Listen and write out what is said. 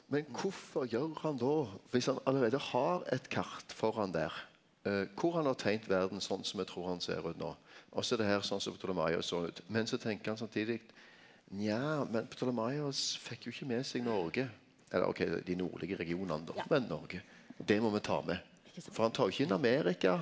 men kvifor gjer han då viss han allereie har eit kart føre der kor han har teikna verda sånn som me trur at han ser ut nå og så er det her sånn som Ptolemaios såg ut men så tenker han samtidig nja, men Ptolemaios fekk jo ikkje med seg Noreg eller ok dei nordlege regionane då, men Noreg det må me ta med, for han tar jo ikkje inn Amerika.